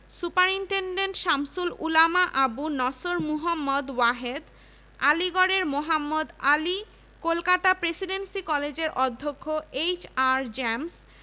committee অতি দ্রুত ২৫টি বিশেষ উপকমিটির পরামর্শ গ্রহণ করে এবং ওই বছর শরৎকালের মধ্যেই তাদের প্রতিবেদন পেশ করে